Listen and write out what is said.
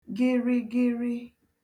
gịrịgịrị